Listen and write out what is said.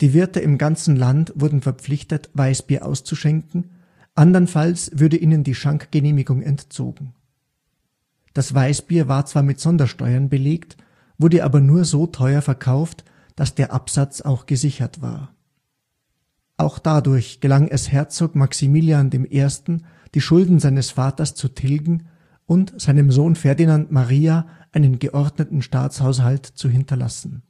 Wirte im ganzen Land wurden verpflichtet Weißbier auszuschenken, andernfalls würde ihnen die Schankgenehmigung entzogen. Das Weißbier war zwar mit Sondersteuern belegt, wurde aber nur so teuer verkauft, dass der Absatz auch gesichert war. Auch dadurch gelang es Herzog (Kurfürst) Maximilian I., die Schulden seines Vaters zu tilgen und seinem Sohn Ferdinand Maria einen geordneten Staatshaushalt zu hinterlassen